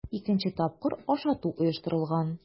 Ике тапкыр ашату оештырылган.